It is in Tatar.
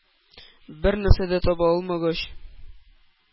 Бер нәрсә дә таба алмагач: